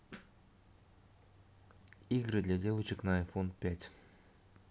игры для девочек на айфон пять